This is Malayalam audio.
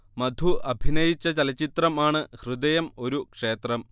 മധു അഭിനയിച്ച ചലച്ചിത്രം ആണ് ഹൃദയം ഒരു ക്ഷേത്രം